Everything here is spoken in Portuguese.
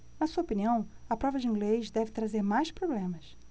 na sua opinião a prova de inglês deve trazer mais problemas